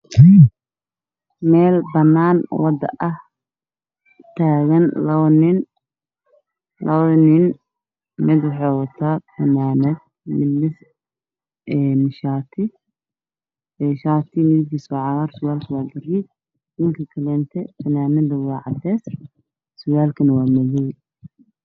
Meelbanaan ah moodo taagan laba nin labada nin midi wuxu wataa funaanad shaati ninka kale funaanadu waa cadaan surwaalku waa madaw